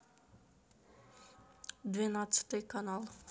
двенадцатый канал